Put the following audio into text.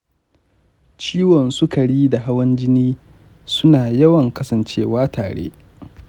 ciwon sukari da hawan jini suna yawan kasancewa tare.